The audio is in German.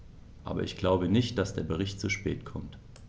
Aber ich glaube nicht, dass der Bericht zu spät kommt.